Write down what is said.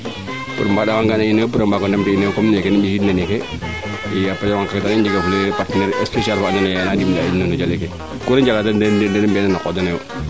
pour a nga'aanoyo pour a mbaago ndamta inoyo comme neeke nu mbi iid na neeke i a present :far koy i njega fule partenaire speciale faa ando naye xana dimle a in no calel ke kude njala daal dena mbiya na den a qoox denoyo